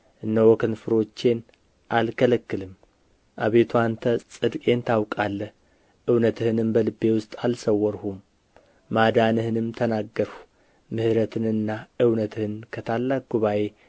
እነሆ ከንፈሮቼን አልከለክልም አቤቱ አንተ ጽድቄን ታውቃለህ እውነትህንም በልቤ ውስጥ አልሰወርሁም ማዳንህንም ተናገርሁ ምሕረትህንና እውነትህን ከታላቅ ጉባኤ